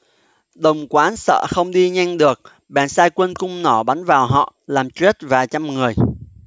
đồng quán sợ không đi nhanh được bèn sai quân cung nỏ bắn vào họ làm chết vài trăm người